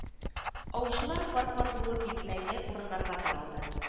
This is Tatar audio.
Аучылар пар-пар булып билгеләнгән урыннарга таралды